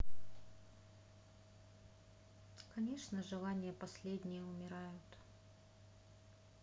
конечно желание последнее умирают